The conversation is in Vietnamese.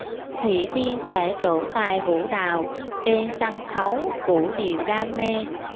thủy tiên sẽ trổ tài vũ đạo trên sân khấu vũ điệu đam mê